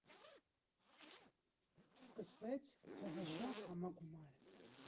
Սկսվեց ՀՀՇ համագումարը։